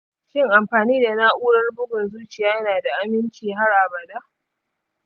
shin, amfani da na'urar bugun zuciya yana da aminci har abada?